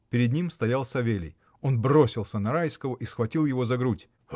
Перед ним стоял Савелий: он бросился на Райского и схватил его за грудь.